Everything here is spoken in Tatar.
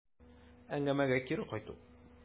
Әңгәмәгә кире кайту.